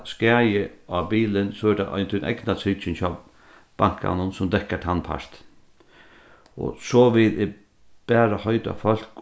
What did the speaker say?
skaði á bilin so er tað ein tín egna trygging hjá bankanum sum dekkar tann partin og so vil eg bara heita á fólk